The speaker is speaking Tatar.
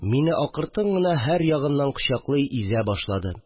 Мине акыртын гына һәр ягымнан кочаклый, изә башлады